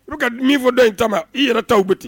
Olu ka min fɔ dɔn in taama i yɛrɛ ta u bɛ ten